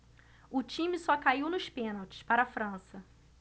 o time só caiu nos pênaltis para a frança